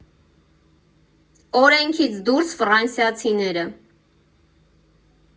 Օրենքից դուրս ֆրանսիացիները։